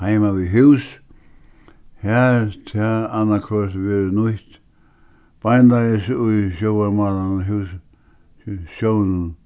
heima við hús har tað annaðhvørt verður nýtt beinleiðis í sjálvum